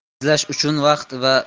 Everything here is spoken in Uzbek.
izlash uchun vaqt va